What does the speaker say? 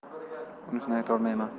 unisini aytolmayman